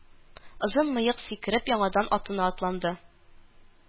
Озын мыек, сикереп, яңадан атына атланды